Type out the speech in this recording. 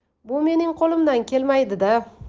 bu mening qo'limdan kelmaydi da